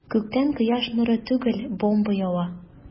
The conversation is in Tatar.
Күктән кояш нуры түгел, бомба ява.